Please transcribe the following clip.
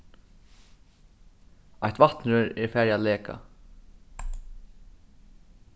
eitt vatnrør er farið at leka